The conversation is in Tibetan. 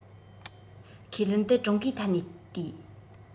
ཁས ལེན དེ ཀྲུང གོའི ཐད ནས བལྟས